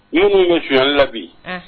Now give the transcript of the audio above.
Minnu bɛ suli la bi